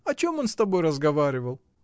О чем он с тобой разговаривал?